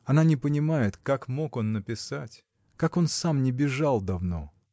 Она не понимает, как мог он написать? Как он сам не бежал давно?